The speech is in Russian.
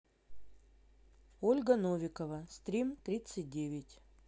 ольга новикова стрим тридцать девять